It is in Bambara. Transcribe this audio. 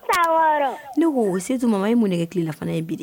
Wɔɔrɔ ne ko setu ma i mun kɛ kilafana ye bi